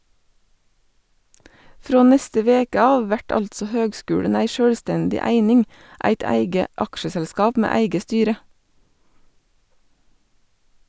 Frå neste veke av vert altså høgskulen ei sjølvstendig eining, eit eige aksjeselskap med eige styre.